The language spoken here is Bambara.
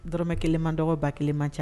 Dɔrɔmɛ kelen man dɔgɔba kelenma ca